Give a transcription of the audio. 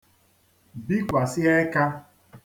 bikwàsị ẹkā